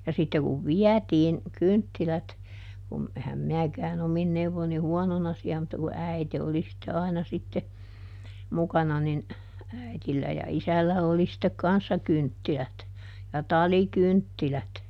ja sitten kun vietiin kynttilät kun enhän minäkään omin neuvoin niin huonona siellä mutta kun äiti oli sitten aina sitten mukana niin äidillä ja isällä oli sitten kanssa kynttilät ja talikynttilät